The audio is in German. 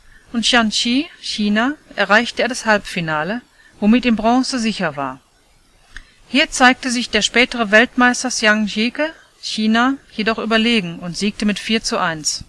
und Chen Qi (China) erreichte er das Halbfinale, womit ihm Bronze sicher war. Hier zeigte sich der spätere Weltmeister Zhang Jike (China) jedoch überlegen und siegte mit 4:1. Bei